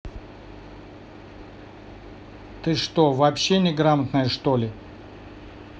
ты что вообще неграмотная что ли